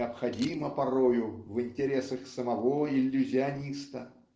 необходимо порою в интересах самого иллюзиониста